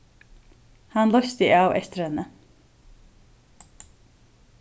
hann loysti av eftir henni